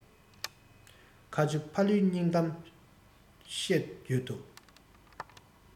ཁ ཆེ ཕ ལུའི སྙིང གཏམ བཤད ཡོད དོ